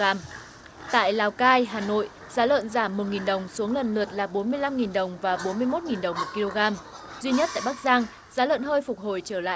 gam tại lào cai hà nội giá lợn giảm một nghìn đồng xuống lần lượt là bốn mươi lăm nghìn đồng và bốn mươi mốt nghìn đồng một ki lô gam duy nhất tại bắc giang giá lợn hơi phục hồi trở lại